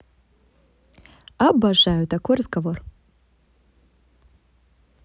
обожаю такой разговор